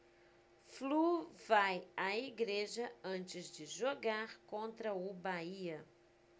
flu vai à igreja antes de jogar contra o bahia